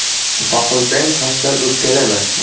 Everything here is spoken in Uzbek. qoqilsang toshdan o'pkalama